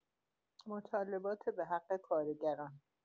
مطالبات به‌حق کارگران